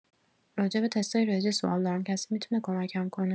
راجب تستای ریاضی سوال دارم کسی می‌تونه کمکم کنه؟